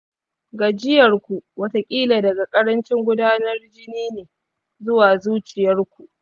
gajiyarku wataƙila daga ƙarancin gudanar jini ne zuwa zuciyarku